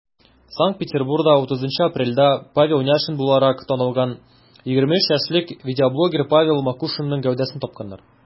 Санкт-Петербургта 30 апрельдә Павел Няшин буларак танылган 23 яшьлек видеоблогер Павел Макушинның гәүдәсен тапканнар.